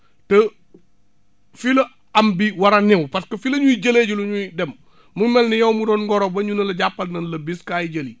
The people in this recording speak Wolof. que fii la am bi war a ñëw parce que fii la ñuy jëlee ji lu ñuy dem mu mel ni yow mu doon ngoro ba ñu ne la jàppal nañ la bis kaay jëli